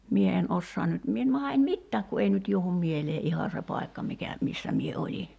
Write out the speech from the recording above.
minä en osaa nyt minä en mahda en mitään kun ei nyt johdu mieleen ihan se paikka mikä missä minä olin